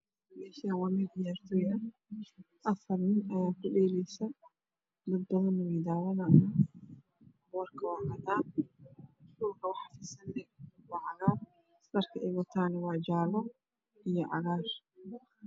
Meshani waa meel cayaartoy ah afar niin ayaa ku dhelaysa dad badana way dawanayaan boorku waa cadan dhilaka waxaa fidsanee waa cagaar dhar ey wataana waa jale iyo cagar isku jira